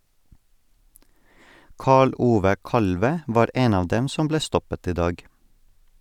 Karl Ove Kalve var en av dem som ble stoppet i dag.